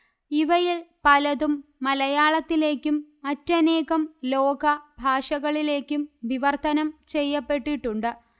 ഇവയിൽ പലതും മലയാളത്തിലേക്കും മറ്റനേകം ലോകഭാഷകളിലേക്കും വിവർത്തനം ചെയ്യപ്പെട്ടിട്ടുണ്ട്